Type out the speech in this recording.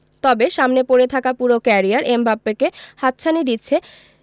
তবে সামনে পড়ে থাকা পুরো ক্যারিয়ার এমবাপ্পেকে হাতছানি দিচ্ছে